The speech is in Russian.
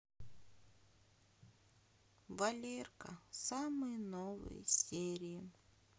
валерка самые новые серии